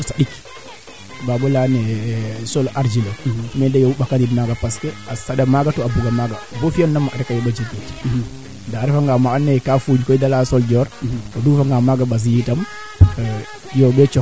d' accord o ndeeta ngaan aussi nuun xoxox we o ndeeta ngaan no coté xot tuuna no walum manaam varieté fee no ax ke manaam le faite que o xot ax manaam